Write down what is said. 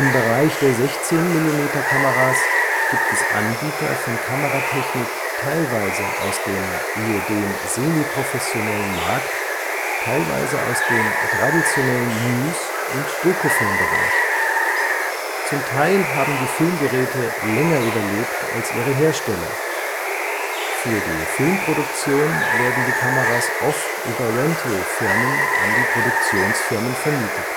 Bereich der 16-mm-Kameras gibt es Anbieter von Kameratechnik teilweise aus dem (ehedem) semiprofessionellen Markt, teilweise aus dem traditionellen News - und Dokufilm-Bereich. Zum Teil haben die Filmgeräte länger überlebt als ihre Hersteller (bspw. Mitchell, Beaulieu). Für die Filmproduktion werden die Kameras oft über Rental-Firmen an die Produktionsfirmen vermietet